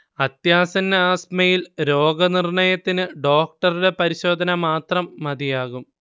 അത്യാസന്ന ആസ്മയിൽ രോഗനിർണയത്തിന് ഡോക്ടറുടെ പരിശോധന മാത്രം മതിയാകും